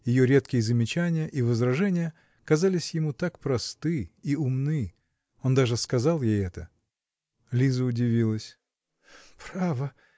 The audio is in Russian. ее редкие замечания и возражения казались ему так просты и умны. Он даже сказал ей это. Лиза удивилась. -- Право?